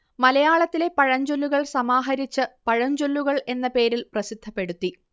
മലയാളത്തിലെ പഴഞ്ചൊല്ലുകൾ സമാഹരിച്ചു പഴഞ്ചൊല്ലുകൾ എന്ന പേരിൽ പ്രസിദ്ധപ്പെടുത്തി